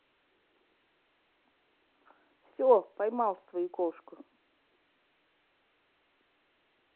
все поймал свою кошку